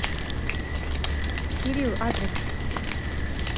кирилл адрес